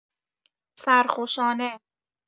سرخوشانه